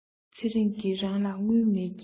ཚེ རིང གི རང ལ དངུལ མེད རྐྱེན